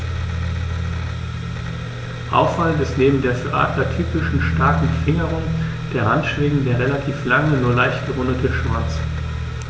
Auffallend ist neben der für Adler typischen starken Fingerung der Handschwingen der relativ lange, nur leicht gerundete Schwanz.